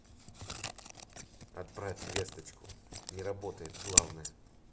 отправь весточку не работает главное